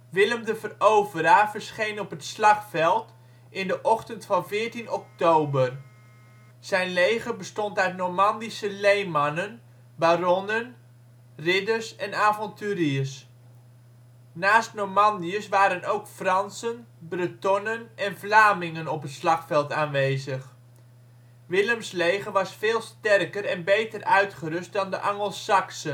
Willem de Veroveraar verscheen op het slagveld in de ochtend van 14 oktober. Zijn leger bestond uit Normandische leenmannen, baronnen, ridders en avonturiers. Naast Normandiërs waren ook Fransen, Bretonnen en Vlamingen op het slagveld aanwezig. Willems leger was veel sterker en beter uitgerust dan de Angelsaksen